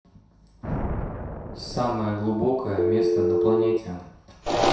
самое глубокое место на планете